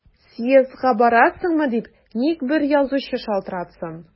Съездга барасыңмы дип ник бер язучы шалтыратсын!